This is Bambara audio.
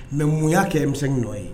Mɛ mun y'a kɛmisɛn n nɔ ye